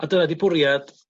A dyna 'di bwriad